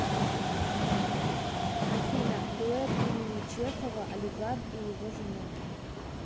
афина дуэт имени чехова олигарх и его жена